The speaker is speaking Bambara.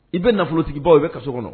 I bɛ nafolotigibagaw i bɛ ka so kɔnɔ